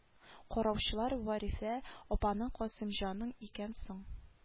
Караучылар варифә апаның касыймҗанын икән соң